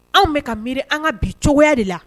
Anw bɛka ka miiri an ka bi cogoya de la